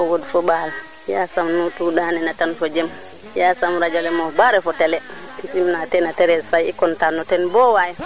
mais manam nam ando ye naga o ñoowta coono fe ando naye waxey ñowan mbinuun manam calel mbin ke saqona maga daal so bugo fokat teen en meme temps arroser a meke refe coono na nuun